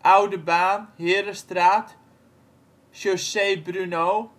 Oude baan Herenstraat Chaussée Brunehaut